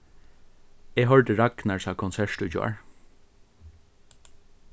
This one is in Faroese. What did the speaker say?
eg hoyrdi ragnarsa konsert í gjár